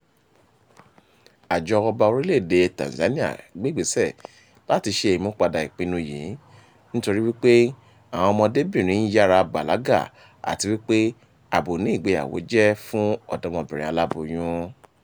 Àjọ ọba orílẹ̀ èdèe Tanzania gbéègbésẹ̀ láti ṣe ìmúpadà ìpinnu yìí, nítorí wípé àwọn ọmọdébìnrin ń yára bàlágà àti wípé ààbò ni ìgbéyàwó jẹ́ fún ọ̀dọ́bìnrin aláboyún.